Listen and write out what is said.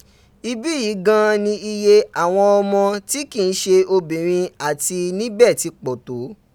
Ibí yìí gan an ni iye àwọn ọmọ tí kì í ṣe obìnrin àti níbẹ̀ ti pọ̀ tó.